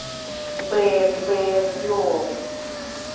бэд бэд герл